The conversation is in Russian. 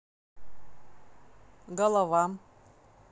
голова